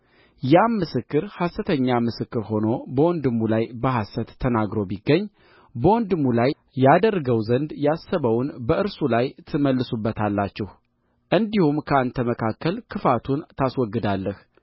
ያም ምስክር ሐሰተኛ ምስክር ሆኖ በወንድሙ ላይ በሐሰት ተናግሮ ቢገኝ በወንድሙ ላይ ያደርገው ዘንድ ያሰበውን በእርሱ ላይ ትመልሱበታላችሁ እንዲሁም ከአንተ መካከል ክፋቱን ታስወግዳለህ